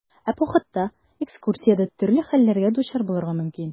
Ә походта, экскурсиядә төрле хәлләргә дучар булырга мөмкин.